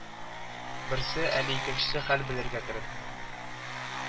Берсе, әле икенчесе хәл белергә кереп